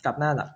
กลับหน้าหลัก